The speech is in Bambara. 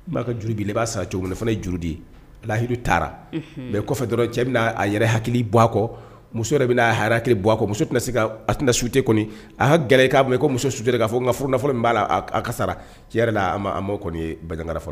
N'a juru' i b'a sa cogo min fana jurudi lahi taara mɛ kɔfɛ dɔrɔn cɛ bɛna a yɛrɛ hakili bu akɔ muso yɛrɛ bɛna a ha hakili buwa akɔ muso tɛna se ka at sute kɔni a hakili gɛlɛya k'a i ko muso su k'a fɔ n furufɔfɔlɔ b'a la a ka sara cɛ yɛrɛ la a kɔni ye bakara fɔlɔ